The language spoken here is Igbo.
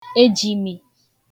ejimī